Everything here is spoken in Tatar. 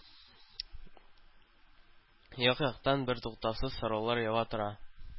Як-яктан бертуктаусыз сораулар ява тора.